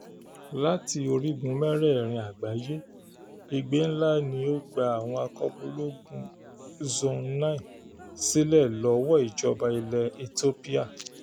Láti orígun mẹ́rẹ̀ẹ̀rin àgbáyé, igbe ńlá ni ó gba àwọn akọbúlọ́ọ̀gù Zone9 sílẹ̀ lọ́wọ́ ìjọba ilẹ̀ Ethiopia.